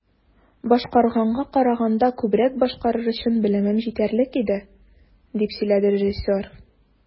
"башкарганга караганда күбрәк башкарыр өчен белемем җитәрлек иде", - дип сөйләде режиссер.